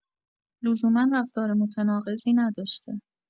لزوما رفتار متناقضی نداشته.